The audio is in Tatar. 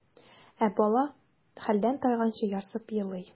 Ә бала хәлдән тайганчы ярсып елый.